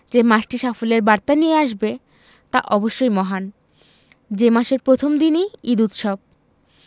যে মাসটি সাফল্যের বার্তা নিয়ে আসবে তা অবশ্যই মহান যে মাসের প্রথম দিনই ঈদ উৎসব